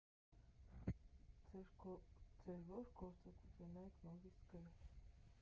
Ձեր ո՞ր գործը կուզենայիք նորից գրել։